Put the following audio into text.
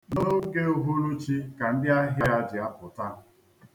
N'oge uhuluchi ka ndi ahịa a ji apụta.